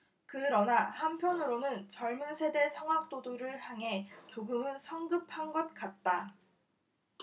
그러나 한편으로는 젊은 세대 성악도들을 향해 조금은 성급한 것 같다